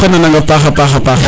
oxey nanang a paxa paxa paax